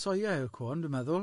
Soia yw'r cwôn dwi'n meddwl.